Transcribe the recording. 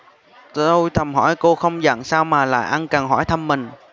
tôi thầm hỏi cô không giận sao mà lại ân cần hỏi thăm mình